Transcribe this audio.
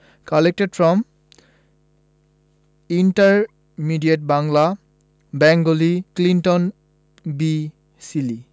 collected from intermediate Bangla Bengali Clinton B Seely